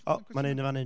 O, mae yna un yn fan hyn.